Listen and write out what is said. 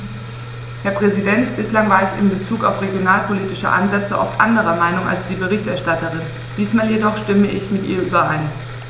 Herr Präsident, bislang war ich in bezug auf regionalpolitische Ansätze oft anderer Meinung als die Berichterstatterin, diesmal jedoch stimme ich mit ihr überein.